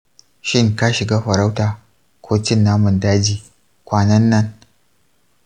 shin ka shiga farauta ko cin naman daji kwanan nan?